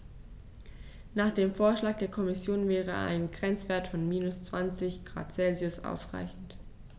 Nach dem Vorschlag der Kommission wäre ein Grenzwert von -20 ºC ausreichend.